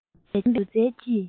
ལྡན པའི སྒྱུ རྩལ གྱི